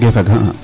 waage fag